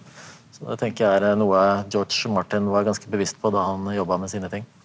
så det tenker jeg er noe George Martin var ganske bevisst på da han jobba med sine ting.